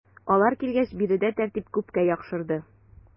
Алар килгәч биредә тәртип күпкә яхшырды.